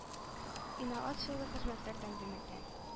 Инновацияле хезмәтләр тәкъдим итә.